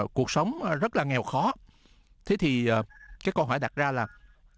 cuộc sống rất là nghèo khó thế thì cái câu hỏi đặt ra là